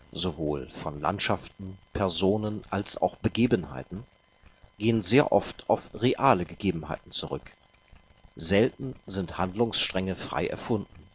sowohl von Landschaften, Personen als auch Begebenheiten, gehen sehr oft auf reale Gegebenheiten zurück, selten sind Handlungsstränge frei erfunden